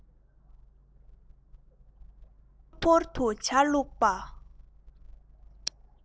ཤིང ཕོར དུ ཇ བླུགས པ